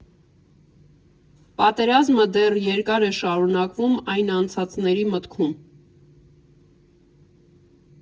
Պատերազմը դեռ երկար է շարունակվում այն անցածների մտքում.